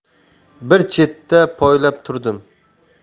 bir chetda poylab turdim